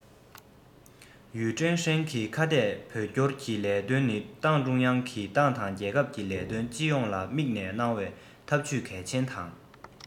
ཡུས ཀྲེང ཧྲེང གིས ཁ གཏད བོད སྐྱོར གྱི ལས དོན ནི ཏང ཀྲུང དབྱང གིས ཏང དང རྒྱལ ཁབ ཀྱི ལས དོན སྤྱི ཡོངས ལ དམིགས ནས གནང བའི འཐབ ཇུས གལ ཆེན དང